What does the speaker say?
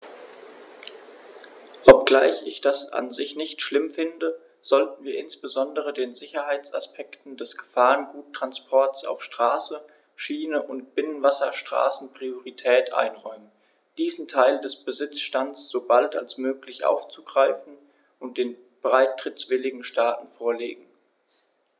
Obgleich ich das an sich nicht schlimm finde, sollten wir insbesondere den Sicherheitsaspekten des Gefahrguttransports auf Straße, Schiene und Binnenwasserstraßen Priorität einräumen, diesen Teil des Besitzstands so bald als möglich aufgreifen und den beitrittswilligen Staaten vorlegen.